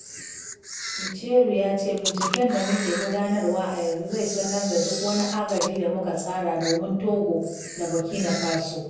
Gicheru ya ce,'' Binciken da muke gudanarwa a yanzu zai sanar da duk wani agaji da muka tsara domin Togo da Burkina Faso''